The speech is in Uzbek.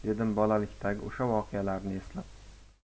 dedim bolalikdagi o'sha voqealarni eslab